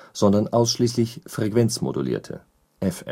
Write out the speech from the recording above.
sondern ausschließlich frequenzmodulierte (FM